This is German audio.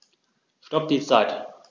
Stopp die Zeit